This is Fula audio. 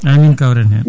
amine kawren hen